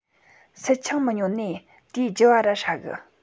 སིལ ཆང མི ཉོ ནིས དེའི རྒྱུ བ ར ཧྲ གི